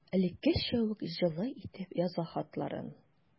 Элеккечә үк җылы итеп яза хатларын.